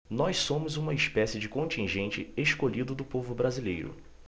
nós somos uma espécie de contingente escolhido do povo brasileiro